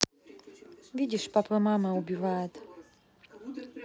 видишь папа мама убивает